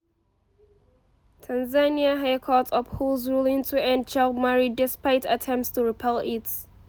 Tanzania high court upholds ruling to end child marriage despite attempts to repeal it